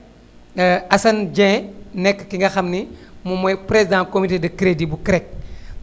Assane Dieng nekk ki nga xam ni moom mooy président comité de crédit bu CREC